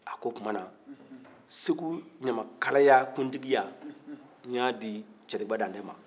a k'o tumana segu ɲamakalakuntigiya n y'a dit cɛtigiba dande ma